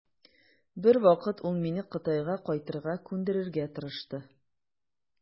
Бер вакыт ул мине Кытайга кайтырга күндерергә тырышты.